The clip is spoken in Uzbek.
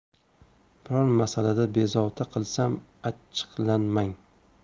biror masalada bezovta qilsam achchiqlanmang